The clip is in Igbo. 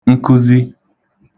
nkụzi